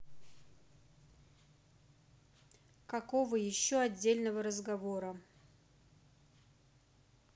какого еще отдельного разговора